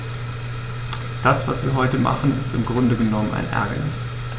Das, was wir heute machen, ist im Grunde genommen ein Ärgernis.